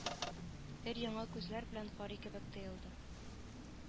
Өр-яңа күзләр белән карый кебек тоелды